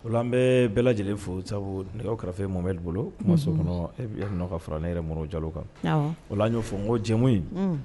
O an bɛ bɛɛ lajɛlen fo sabu nɛgɛ kɛrɛfɛfe mun bolo ma sɔn e ka fara' yɛrɛ o jalo kan o' y'o fɔ n ko jɛmu in